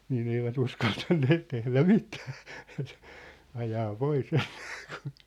niin eivät uskaltaneet tehdä mitään ajaa pois ainakaan